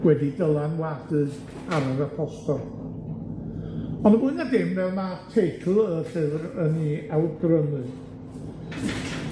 wedi dylanwadu ar yr apostol ond fwy na dim fel ma' teitl y llyfr yn 'i awgrymu